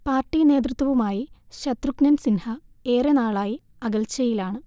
party നേതൃത്വവുമായി ശത്രുഘ്നൻ സിൻഹ ഏറെ നാളായി അകൽച്ചയിലാണ്